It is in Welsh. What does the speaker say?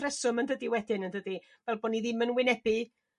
reswm yn dydi? Wedyn yn dydi? Fel bo' ni ddim yn wynebu